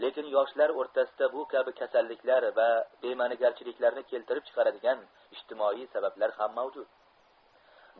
lekin yoshlar o'rtasida bu kabi kasalliklar va bemanigarchiliklami keltirib chiqaradigan ijtimoiy sabablar ham mavjud